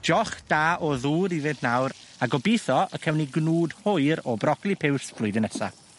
Joch da o ddŵr iddynt nawr a gobitho y cewn ni gnwd hwyr o brocoli piws flwyddyn nesa.